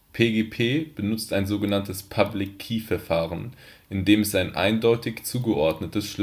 PGP benutzt ein sogenanntes Public-Key-Verfahren, in dem es ein eindeutig zugeordnetes